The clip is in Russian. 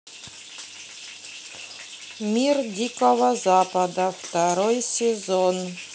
мир дикого запада второй сезон